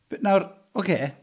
Nawr, ocê.